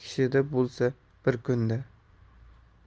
kishida bo'lsa bir kunda